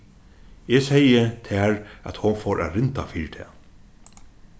eg segði tær at hon fór at rinda fyri tað